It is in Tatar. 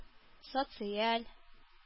Социаль